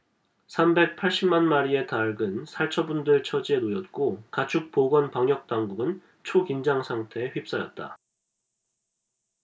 삼백 팔십 만 마리의 닭은 살처분될 처지에 놓였고 가축보건 방역당국은 초긴장 상태에 휩싸였다